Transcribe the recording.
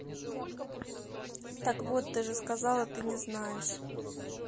так вот ты же сказала ты не знаешь